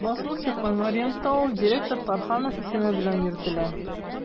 Басылып чыккан вариантта ул «директор Тарханов» исеме белән йөртелә.